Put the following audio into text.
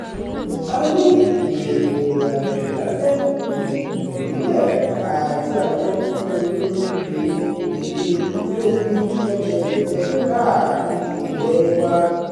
A ní ètò ìrìnàjò ìgbafẹ́, òògùn ìbílẹ̀ àti àwọn ohun mèremère tí ó pín yẹ́lẹyẹ̀lẹ káàkiri ilẹ̀ẹ wa.